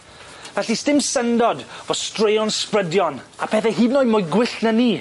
Felly sdim syndod fo' straeon sbrydion a pethe hyd yn oed mwy gwyllt na 'ny.